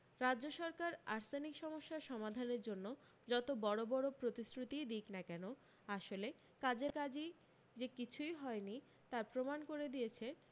রাজ্য সরকার আর্সেনিক সমস্যার সমাধানের জন্য যত বড় বড় প্রতিশ্রুতিই দিক না কেন আসলে কাজের কাজি যে কিছুই হয়নি তা প্রমাণ করে দিয়েছে